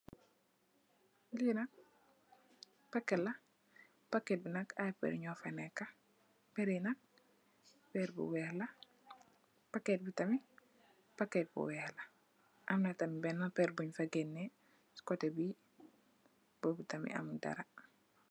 Li nak pakèt la, pakèt bi nak ay pèrr nyo fa nekka, pèrr yi nak pèrr bu weeh la, pakèt bi tamit pakèt bu weeh la, amna tamit benna pèrr bun fa gèni, ci kotè bi bob tamit am mut dara.